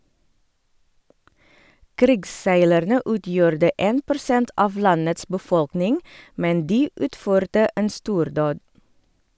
Krigsseilerne utgjorde 1 % av landets befolkning, men de utførte en stordåd.